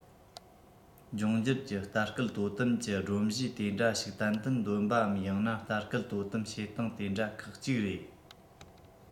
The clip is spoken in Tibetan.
འབྱུང འགྱུར གྱི ལྟ སྐུལ དོ དམ གྱི སྒྲོམ གཞིའི དེ འདྲ ཞིག ཏན ཏན འདོན པའམ ཡང ན ལྟ སྐུལ དོ དམ བྱེད སྟངས དེ འདྲ ཁག གཅིག རེད